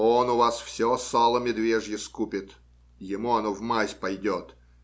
Он у вас все сало медвежье скупит: ему оно в мазь пойдет.